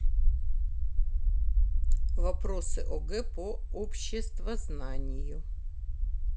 вопросы огэ по обществознанию